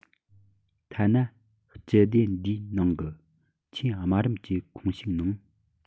ཐ ན སྤྱི སྡེ འདིའི ནང གི ཆེས དམའ རིམ གྱི ཁོངས ཞུགས ནང